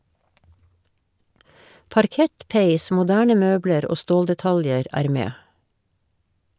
Parkett, peis, moderne møbler og ståldetaljer er med.